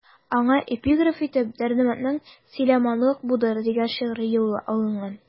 Аңа эпиграф итеп Дәрдмәнднең «Сөләйманлык будыр» дигән шигъри юлы алынган.